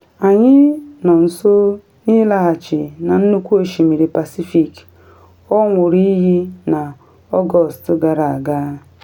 “Anyị nọ nso na ịlaghachi na Nnukwu Osimiri Pasifik,” ọ ṅwụrụ iyi na Ọgọst gara aga.